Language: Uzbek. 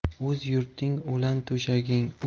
o'z yurting o'lan to'shaging